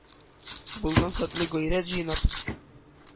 Булган хәтле гайрәт җыйнап: